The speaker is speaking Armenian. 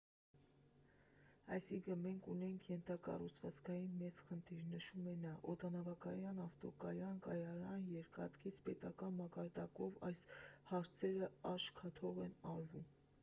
Այսինքն, մենք ունենք ենթակառուցվածքային մեծ խնդիր, ֊ նշում է նա, ֊ օդանավակայան, ավտոկայան, կայարան, երկաթգծեր, պետական մակարդակով այս հարցերը աչքաթող են արվում»։